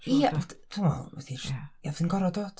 ia ond gorfod dod.